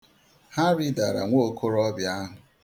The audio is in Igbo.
Ha ridara nwokorobịa ahụ.